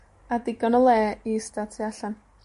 A digon o le i ista tu allan.